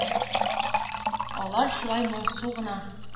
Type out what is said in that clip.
Алар шулай моңсу гына,